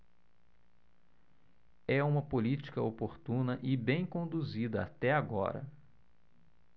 é uma política oportuna e bem conduzida até agora